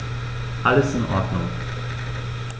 Alles in Ordnung.